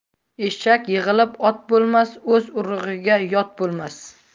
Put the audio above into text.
eshak yig'ilib ot bo'lmas o'z urug'iga yot bo'lmas